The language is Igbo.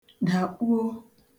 dàkpuo